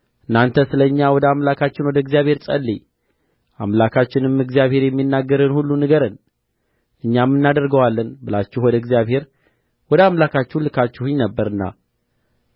እናንተ ስለ እኛ ወደ አምላካችን ወደ እግዚአብሔር ጸልይ አምላካችንም እግዚአብሔር የሚናገርህን ሁሉ ንገረን እኛም እናደርገዋለን ብላችሁ ወደ እግዚአብሔር ወደ አምላካችሁ ልካችሁኝ ነበርና